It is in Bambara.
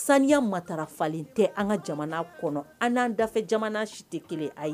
Saniya ma taarara falen tɛ an ka jamana kɔnɔ an n'an dafe jamana si tɛ kelen a ye